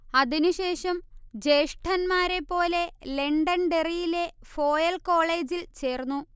അതിനു ശേശം ജ്യേഷ്ഠന്മാരെപ്പോലെ ലണ്ടൻഡെറിയിലെ ഫോയൽ കോളേജിൽ ചേർന്നു